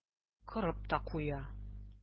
Корып та куя.